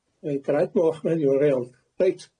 Ma' hi'n draed moch 'ma heddiw fel rheol. Reit.